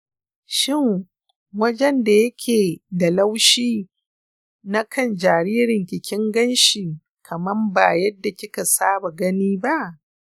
shin wajenda yake da laushi na kan jaririnki kin ganshi kaman ba yadda kika saba gani ba?